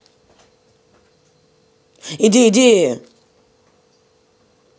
иди иди